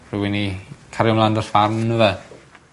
rhywyn i cario mlan 'da'r ffarm on'd yfe?